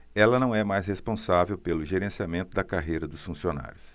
ela não é mais responsável pelo gerenciamento da carreira dos funcionários